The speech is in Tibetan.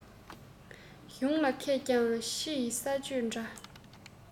གཞུང ལ མཁས ཀྱང ཕྱི ཡི ས གཅོད འདྲ